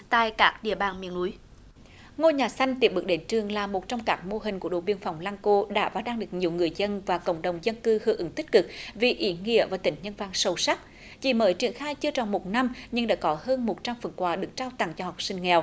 tại các địa bàn miền núi ngôi nhà xanh tiếp bước đến trường là một trong các mô hình của đồn biên phòng lăng cô đã và đang được nhiều người dân và cộng đồng dân cư hưởng ứng tích cực vì ý nghĩa và tính nhân văn sâu sắc chỉ mới triển khai chưa tròn một năm nhưng đã có hơn một trăm phần quà được trao tặng cho học sinh nghèo